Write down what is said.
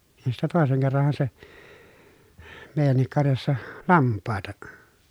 niin sitten toisen kerranhan se meidänkin karjassa lampaita